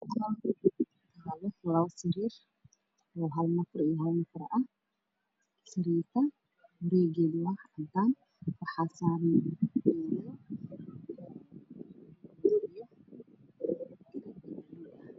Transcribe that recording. Waa qol waxaa yaalo labo sariir oo midabkoodu yahay caddaan waxaa saaran jawaari buluug ah